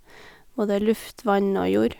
Både luft, vann og jord.